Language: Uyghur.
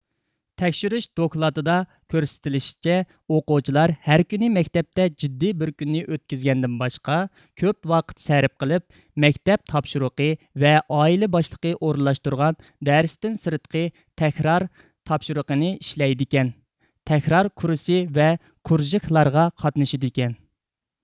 تەكشۈرۈش دوكلاتىدا كۆرسىتىلىشىچە ئوقۇغۇچىلار ھەر كۈنى مەكتەپتە جىددىي بىر كۈننى ئۆتكۈزگەندىن باشقا كۆپ ۋاقىت سەرپ قىلىپ مەكتەپ تاپشۇرۇقى ۋە ئائىلە باشلىقى ئورۇنلاشتۇرغان دەرستىن سىرتقى تەكرار تاپشۇرۇقىنى ئىشلەيدىكەن تەكرار كۇرسى ۋە كۇرژىكلارغا قاتنىشىدىكەن